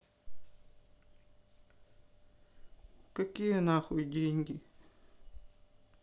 какие нахуй деньги